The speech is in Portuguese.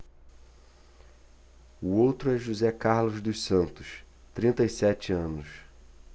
o outro é josé carlos dos santos trinta e sete anos